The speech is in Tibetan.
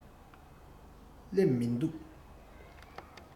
སླེབས མི འདུག